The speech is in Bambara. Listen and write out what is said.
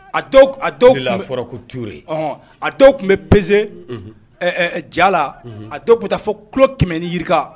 A a dɔw fɔra ko tuur a dɔw tun bɛ peze jala a dɔw bɛ taa fɔ kulo kɛmɛ ni jiri